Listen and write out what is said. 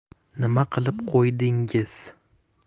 nima qilib qo'ydingiz